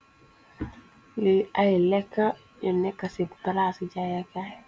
Lii ay lékka, yu nekk ci plaasi jayyakaay.